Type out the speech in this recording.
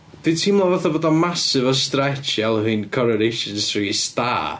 Dwi'n teimlo fatha bod o'n massive o stretch i alw hi'n Coronation Street star.